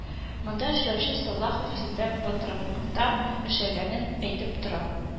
Монда эшләүче Салахов сездә батраклыкта эшләгәнен әйтеп тора